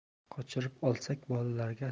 qochirib olsak bolalarga